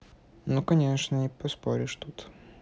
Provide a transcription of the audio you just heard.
ну конечно не поспоришь тут